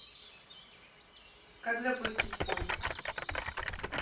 как запустить пульт